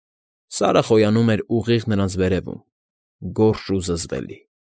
Սարը խոյանում էր ուղիղ նրանց վերևում, գորշ և զզվելի։